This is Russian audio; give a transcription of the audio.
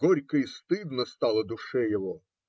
Горько и стыдно стало душе его.